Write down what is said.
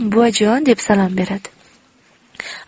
buvajon deb salom beradi